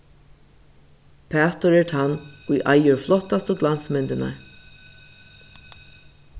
pætur er tann ið eigur flottastu glansmyndirnar